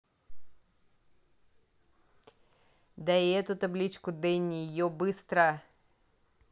да и эту табличку danny ее быстро